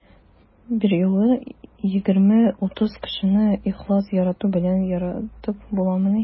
Берьюлы 20-30 кешене ихлас ярату белән яратып буламыни?